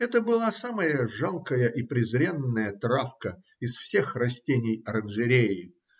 Это была самая жалкая и презренная травка из всех растений оранжереи